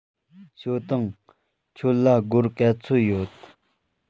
ཞའོ ཏུང ཁྱོད ལ སྒོར ག ཚོད ཡོད